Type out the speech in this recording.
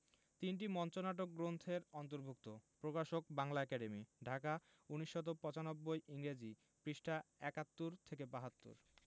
তিনটি মঞ্চনাটক গ্রন্থের অন্তর্ভুক্ত প্রকাশকঃ বাংলা একাডেমী ঢাকা ১৯৯৫ ইংরেজি পৃঃ ৭১-৭২